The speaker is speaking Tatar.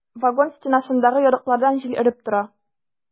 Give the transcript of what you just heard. Вагон стенасындагы ярыклардан җил өреп тора.